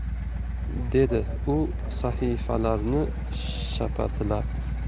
dedi u sahifalarni shapatilab